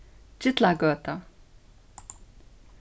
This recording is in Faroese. gillagøta